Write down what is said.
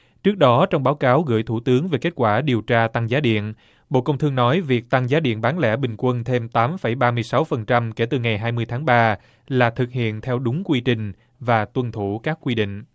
trước đó trong báo cáo gửi thủ tướng về kết quả điều tra tăng giá điện bộ công thương nói việc tăng giá điện bán lẻ bình quân thêm tám phẩy ba mươi sáu phần trăm kể từ ngày hai mươi tháng ba là thực hiện theo đúng quy trình và tuân thủ các quy định